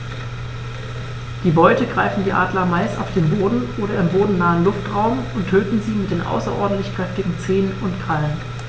Die Beute greifen die Adler meist auf dem Boden oder im bodennahen Luftraum und töten sie mit den außerordentlich kräftigen Zehen und Krallen.